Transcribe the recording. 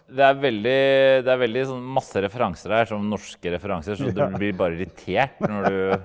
det er veldig det er veldig sånn masse referanser her sånn norske referanser så du blir bare irritert når du.